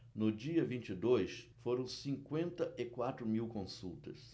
no dia vinte e dois foram cinquenta e quatro mil consultas